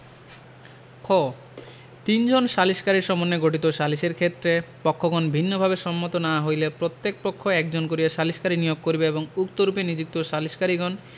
খ তিনজন সালিসকারী সমন্বয়ে গঠিত সালিসের ক্ষেত্রে পক্ষগণ ভিন্নভাবে সম্মত না হইলে প্রত্যেক পক্ষ একজন করিয়া সালিসকারী নিয়োগ করিবে এবং উক্তরূপে নিযুক্ত সালিসকারীগণ